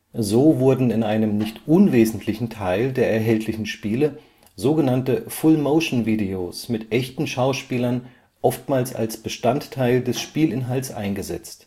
So wurden in einem nicht unwesentlichen Teil der erhältlichen Spiele sog. Full Motion Videos (FMV) mit echten Schauspielern oftmals als Bestandteil des Spielinhalts eingesetzt